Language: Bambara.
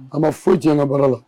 A ma foyi tiɲɛ n ka baara la